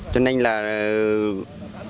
cho nên là